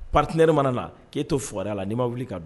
Paritiɛ mana k'e toɔrda la n'i ma wuli ka don